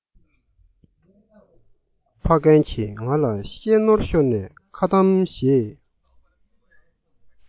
ཕ རྒན གྱིས ང ལ བཤད ནོར ཤོར ནས ཁ དམ ཞེས